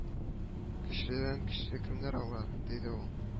Көчледән көчле кемнәр алар?- диде ул